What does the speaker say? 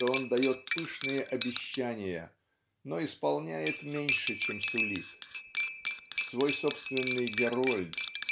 что он дает пышные обещания но исполняет меньше чем сулит. Свой собственный герольд